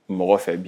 Mɔgɔ fɛ bi